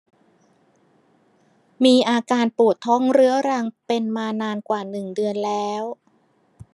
มีอาการปวดท้องเรื้อรังเป็นมานานกว่าหนึ่งเดือนแล้ว